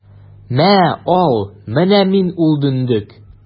Мә, ал, менә мин ул дөндек!